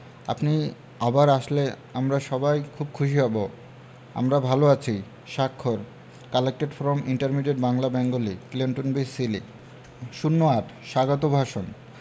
আপনি আবার আসলে আমরা সবাই খুব খুশি হব আমরা ভালো আছি স্বাক্ষর collected from intermediate Bangla Bengali Clinton B C L ০৮ স্বাগত ভাষণ